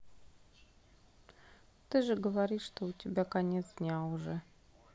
ты же говоришь что у тебя конец дня уже